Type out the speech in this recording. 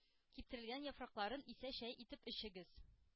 Киптерелгән яфракларын исә чәй итеп эчегез.